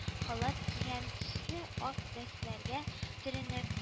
Халат кигән төсле ак бәсләргә төренеп